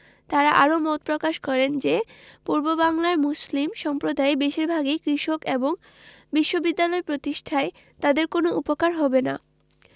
তাঁরা আরও মত প্রকাশ করেন যে পূর্ববাংলার মুসলিম সম্প্রদায় বেশির ভাগই কৃষক এবং বিশ্ববিদ্যালয় প্রতিষ্ঠায় তাদের কোনো উপকার হবে না